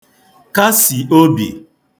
kasì obì